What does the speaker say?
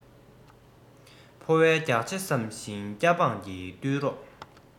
ཕོ བའི རྒྱགས ཕྱེ བསམ ཞིང སྐྱ འབངས ཀྱི བརྟུལ རོགས